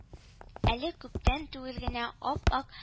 Әле күптән түгел генә ап-ак